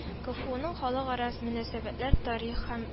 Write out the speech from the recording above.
КэФэУның Халыкара мөнәсәбәтләр, тарих һәм